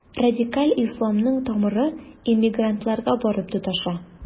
Радикаль исламның тамыры иммигрантларга барып тоташа.